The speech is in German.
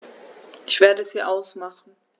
Ich werde sie ausmachen.